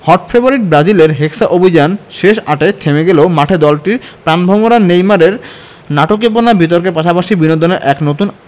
hot favourite ব্রাজিলের hexa অভিযান শেষ আটে থেমে গেলেও মাঠে দলটির প্রাণভোমরা নেইমারের নাটুকেপনা বিতর্কের পাশাপাশি বিনোদনের এক নতুন